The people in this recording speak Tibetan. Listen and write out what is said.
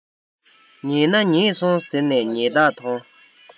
ཉེས ན ཉེས སོང ཟེར ནས ཉེས གཏགས ཐོངས